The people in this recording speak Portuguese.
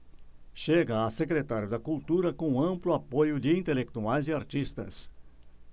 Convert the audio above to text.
chega a secretário da cultura com amplo apoio de intelectuais e artistas